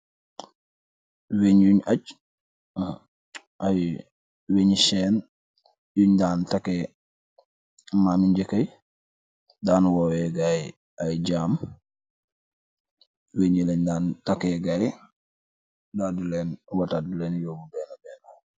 Weungh yungh ajj, aiiy weunghi chaaine yungh daan taakeh mamma yi njenkah yii, daan worweh gaii aiiy jaam, weungh yii len daan taakeh gaii, daal dilen wortat dilen yobu bena bena.